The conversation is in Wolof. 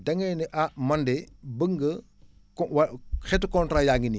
da ngay ne ah man de bëgg nga ko wa xeetu contrat yaa ngi nii